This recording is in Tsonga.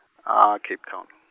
a- Cape Town.